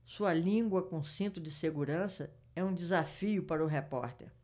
sua língua com cinto de segurança é um desafio para o repórter